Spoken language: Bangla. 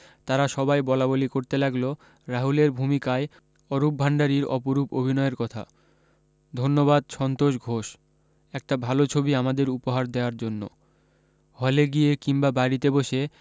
তারা সবাই বলাবলি করতে থাকলো রাহুলের ভূমিকায় অরূপ ভান্ডারীর অপরূপ অভিনয়ের কথা ধন্যবাদ সন্তোষ ঘোষ একটা ভালো ছবি আমাদের উপহার দেওয়ার জন্য হলে গিয়ে কিম্বা বাড়ীতে বসে